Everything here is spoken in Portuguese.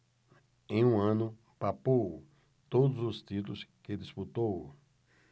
em um ano papou todos os títulos que disputou